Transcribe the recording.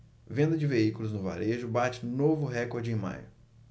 venda de veículos no varejo bate novo recorde em maio